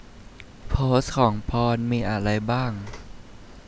โพสต์ของปอนด์มีอะไรบ้าง